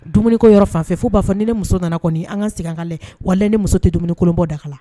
Dumuniko yɔrɔ fan fɛ fo u b'a fɔ ni ne muso nana kɔni an ka segin anka wa ne muso tɛ dumunikolon bɔ da kalan la